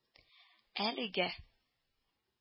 Әлегә